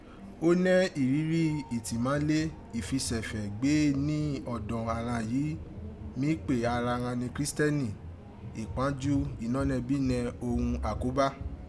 Ó nẹ́ ìrírí ìtìmálé, ifisẹ̀fẹ̀ gbe ni ọ̀dọ̀n àghan yìí mí pè ara ghan ni kirisiteni, ipánjú , inọ́nẹbinẹ, òghun àkóbá